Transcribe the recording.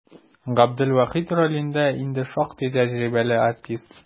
Габделвахит ролендә инде шактый тәҗрибәле артист.